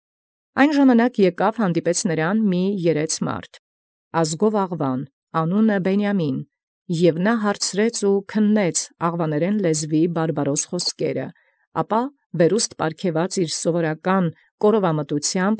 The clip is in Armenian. Յայնմ ժամանակի եկեալ դիպէր նմա այր մի երէց աղուան ազգաւ, Բենիամէն անուն. և նորա հարցեալ և քննեալ զբարբարոս զբանս աղուաներէն լեզուին, առնէր ապա նշանագիրս ըստ վերնապարգև կորովի սովորութեան։